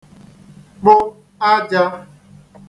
kpụ ajā